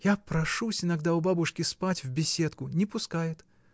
— Я прошусь иногда у бабушки спать в беседку — не пускает.